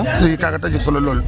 I kaaga ta jeg solo lool.